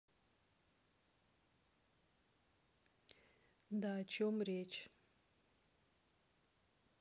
да о чем речь